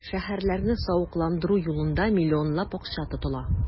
Шәһәрләрне савыкландыру юлында миллионлап акча тотыла.